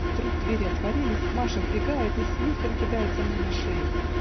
Вдруг двери отворились, Маша вбегает и с визгом кидается мне на шею.